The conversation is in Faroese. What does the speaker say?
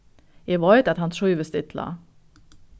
eg veit at hann trívist illa